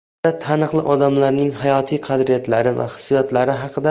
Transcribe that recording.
maqolada taniqli odamlarning hayotiy qadriyatlari va